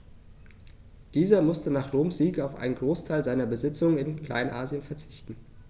Dieser musste nach Roms Sieg auf einen Großteil seiner Besitzungen in Kleinasien verzichten.